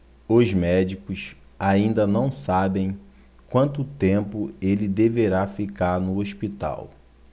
os médicos ainda não sabem quanto tempo ele deverá ficar no hospital